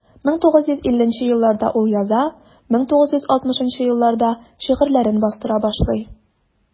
1950 елларда ул яза, 1960 елларда шигырьләрен бастыра башлый.